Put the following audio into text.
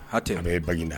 Hatɛ e ba in da